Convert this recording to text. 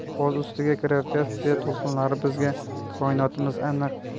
boz ustiga gravitatsiya to'lqinlari bizga koinotimiz aynan